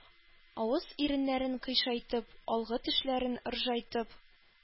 Авыз-иреннәрен кыйшайтып, алгы тешләрен ыржайтып